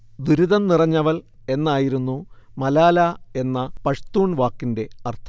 'ദുരിതം നിറഞ്ഞവൾ' എന്നായിരുന്നു മലാല എന്ന പഷ്തൂൺ വാക്കിന്റെ അർഥം